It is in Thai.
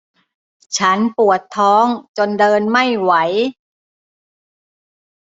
ฉันปวดท้องจนเดินไม่ไหว